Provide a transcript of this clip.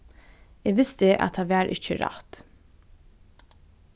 eg visti at tað var ikki rætt